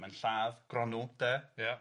Mae'n lladd Gronw, 'de? Ia.